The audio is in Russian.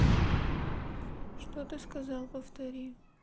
что ты сказала повтори